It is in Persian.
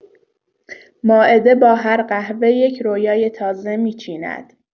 مائده با هر قهوه یک رویای تازه می‌چیند.